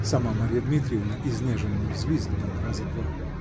сама Марья Дмитриевна изнеженно взвизгнула раза два.